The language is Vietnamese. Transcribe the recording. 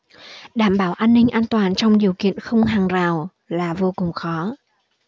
đảm bảo an ninh an toàn trong điều kiện không hàng rào là vô cùng khó